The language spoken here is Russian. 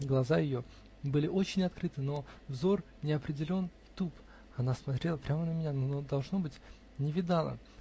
Глаза ее были очень открыты, но взор неопределенен и туп: она смотрела прямо на меня, но, должно быть, не видала.